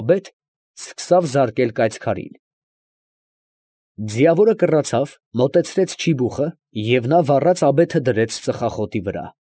Աբեթ, սկսավ զարկել կայծքարին։ Ձիավորը կռացավ, մոտեցրեց չիբուխը, և նա վառած աբեթը դրեց ծխախոտի վրա։